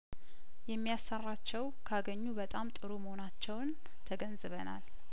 የሚያሰራቸው ካገኙ በጣም ጥሩ መሆናቸውን ተገንዝበናል